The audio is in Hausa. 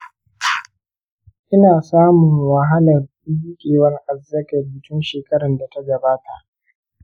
ina samun wahalar miƙewar azzakari tun shekarar da ta gabata.